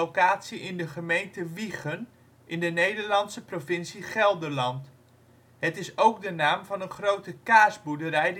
plaats in de gemeente Wijchen (Nederlandse provincie Gelderland). Het is ook de naam van een grote kaasboerderij